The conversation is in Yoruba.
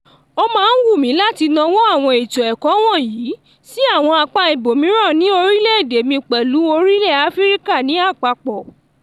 Ó máa wù mí láti nawọ́ àwọn ètò ẹ̀kọ́ wọ̀nyìí sí àwọn apá ibòmìíràn ní orílẹ̀-èdè mi pẹ̀lú orílẹ̀ Áfíríkà ní àpapọ̀.